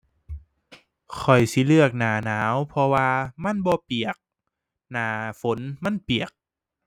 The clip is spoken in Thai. ข้อยสิเลือกหน้าหนาวเพราะว่ามันบ่เปียก หน้าฝนมันเปียก